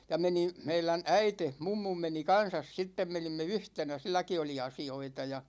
ja menin meidän äiti mummun meni kanssa sitten menimme yhtenä silläkin oli asioita ja